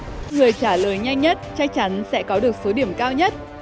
người trả lời nhanh nhất chắc chắn sẽ có được số điểm cao nhất